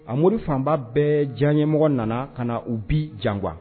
A mori fan ba bɛɛ diya n ye mɔgɔ nana ka na u bi jan quoi